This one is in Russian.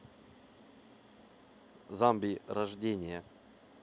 zombie рождение